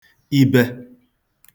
ibẹ̄